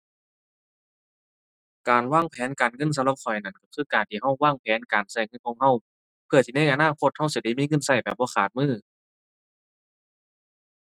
การวางแผนการเงินสำหรับข้อยนั้น คือการที่เราวางแผนการเราเงินของเรา เพื่อที่ในอนาคตเราสิได้มีเงินเราแบบบ่ขาดมือ